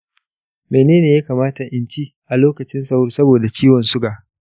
mene ne ya kamata in ci a lokacin sahur saboda ciwon suga?